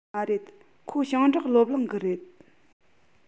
མ རེད ཁོ ཞིང འབྲོག སློབ གླིང གི རེད